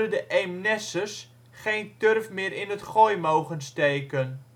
de Eemnessers geen turf meer in het Gooi mogen steken